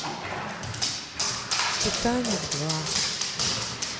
титаник два